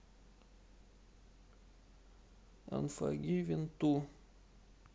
анфогивен ту